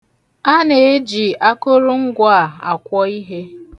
A na-eji akụrụngwa a akwọ ihe.